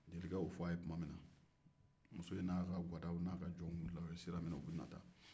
jelikɛ ye o fɔ a ye tuma min na muso in ni a ka gɔdaw n' a ka jɔnw wuli la ka sira minɛ u bɛ na taa